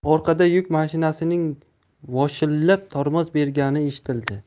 orqada yuk mashinasining voshillab tormoz bergani eshitildi